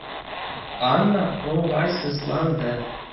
Анна уңайсызланды.